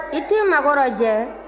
i t'i mago lajɛ